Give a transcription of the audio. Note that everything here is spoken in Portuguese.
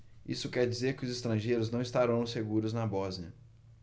isso quer dizer que os estrangeiros não estarão seguros na bósnia